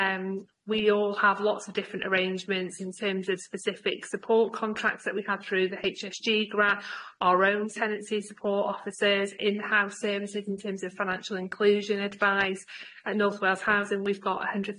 em we all have lots of different arrangements in terms of specific support contracts that we've had through the H E G grant our own tenancy support officers in-house services in terms of financial inclusion advice at North Wales Housing we've got a hundred